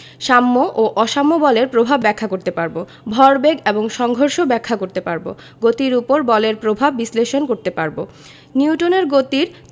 সাম্য ও অসাম্য বলের প্রভাব ব্যাখ্যা করতে পারব ভরবেগ এবং সংঘর্ষ ব্যাখ্যা করতে পারব গতির উপর বলের প্রভাব বিশ্লেষণ করতে পারব নিউটনের গতির